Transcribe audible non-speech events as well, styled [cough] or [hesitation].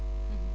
[hesitation] [hesitation]